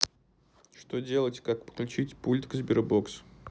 что делать и как подключить пульт к sberbox